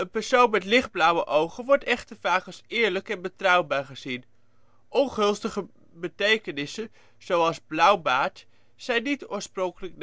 persoon met lichtblauwe ogen wordt echter vaak als eerlijk en betrouwbaar gezien. Ongunstiger betekenissen, zoals in Blauwbaard zijn niet oorspronkelijk